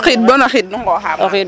Kon o xiid bo no xiid nu nqooxaa maalo .